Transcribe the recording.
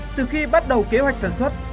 từ khi bắt đầu kế hoạch sản xuất